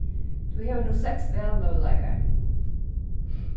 tú hevur nú seks valmøguleikar